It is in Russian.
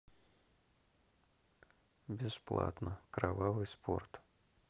бесплатно кровавый спорт